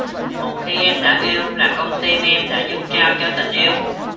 một khi em đã yêu là con tim em đã dâng trao cho tình yêu